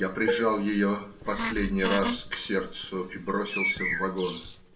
Я прижал ее последний раз к сердцу и бросился в вагон.